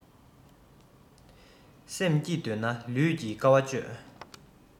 སེམས སྐྱིད འདོད ན ལུས ཀྱི དཀའ བ སྤྱོད